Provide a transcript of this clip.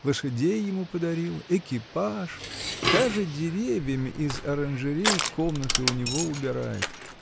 лошадей ему подарил, экипаж, даже деревьями из оранжерей комнаты у него убирает.